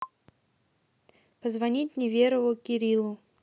позвонить неверову кириллу